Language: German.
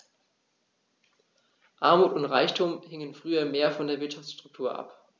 Armut und Reichtum hingen früher mehr von der Wirtschaftsstruktur ab.